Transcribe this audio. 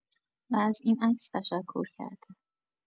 و از این عکاس تشکرکرده.